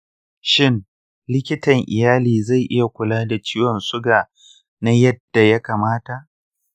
shin likitan iyali zai iya kula da ciwon suga na yadda ya kamata?